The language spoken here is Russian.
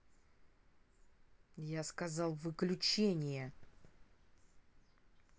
я сказал выключение